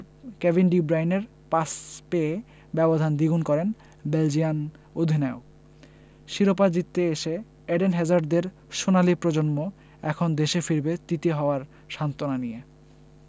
Kevin De ব্রুইনের pass পেয়ে ব্যবধান দ্বিগুণ করেন বেলজিয়ান অধিনায়ক শিরোপা জিততে এসে এডেন হ্যাজার্ডদের সোনালি প্রজন্ম এখন দেশে ফিরবে তৃতীয় হওয়ার সান্ত্বনা নিয়ে